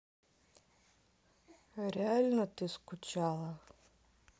реально ты скучала